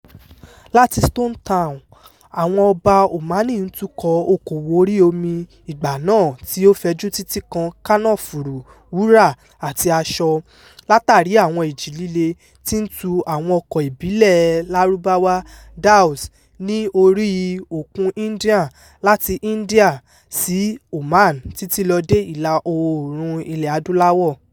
Láti Stone Town, àwọn ọba Omani ń tukọ̀ọ okòwò orí omi ìgbà náà tí ó fẹjú, títí kan kànáfùrù, wúrà, àti aṣọ , látàrí àwọn ìjì líle tí ń tu àwọn ọkọ̀ ìbílẹ̀ẹ Lárúbáwáa — dhows — ní oríi Òkun Indian, láti India sí Oman títí lọ dé Ìlà-Oòrùn Ilẹ̀ Adúláwọ̀.